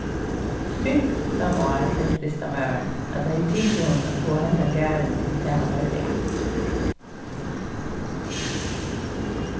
fimtan ár helt listamaðurin at tað hevði tikið honum at fáa henda garðin til tað hann var í dag